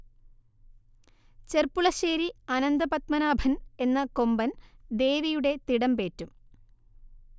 ചെർപ്പുളശ്ശേരി അനന്തപദ്മനാഭൻ എന്ന കൊമ്പൻ ദേവിയുടെ തിടമ്പേറ്റും